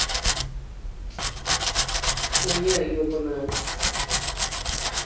хуйня ебаная